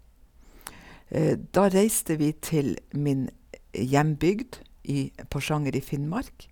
Da reiste vi til min hjembygd i Porsanger i Finnmark.